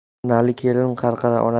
onali kelin qarqara